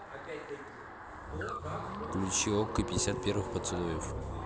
включи окко пятьдесят первых поцелуев